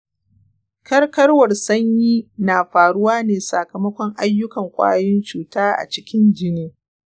karkarwar sanyi na faruwa ne sakamakon ayyukan ƙwayoyin cuta a cikin jini.